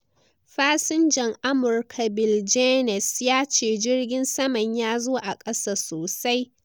Fasinjan Amurka Bill Jaynes ya ce jirgin saman ya zo a kasa sosai.